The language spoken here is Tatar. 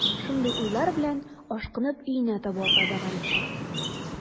Шундый уйлар белән, ашкынып өенә таба атлады Гариф карт.